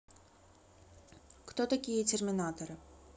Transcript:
а кто такие терминаторы